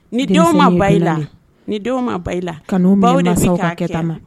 Ni denw ma ba i la ni denw ma ba i la kanu baw kɛ ma